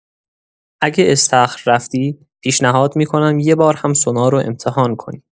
اگه استخر رفتی، پیشنهاد می‌کنم یه بار هم سونا رو امتحان کنی.